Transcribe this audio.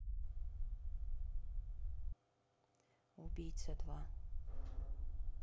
убийца два